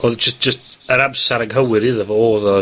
odd jyst jyst, yr amser anghywir iddo fo odd o...